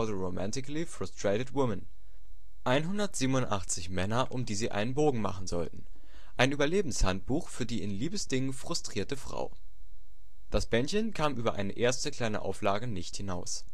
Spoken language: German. Romantically Frustrated Woman („ 187 Männer, um die Sie einen Bogen machen sollten: Ein Überlebens-Handbuch für die in Liebesdingen frustrierte Frau “). Das Bändchen kam über eine erste kleine Auflage nicht hinaus